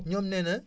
ñoom nee na